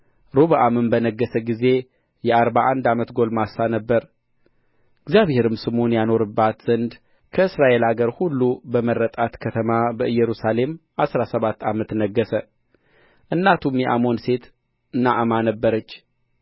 ሮብዓምም በነገሠ ጊዜ የአርባ አንድ ዓመት ጕልማሳ ነበረ እግዚአብሔርም ስሙን ያኖርባት ዘንድ ከእስራኤል አገር ሁሉ በመረጣት ከተማ በኢየሩሳሌም አሥራ ሰባት ዓመት ነገሠ እናቱም የአሞን ሴት ናዕማ ነበረች